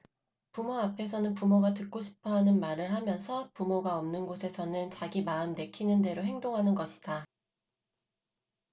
부모 앞에서는 부모가 듣고 싶어 하는 말을 하면서 부모가 없는 곳에서는 자기 마음 내키는 대로 행동하는 것이다